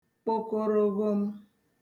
kpokoroghom